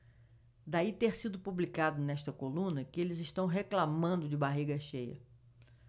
daí ter sido publicado nesta coluna que eles reclamando de barriga cheia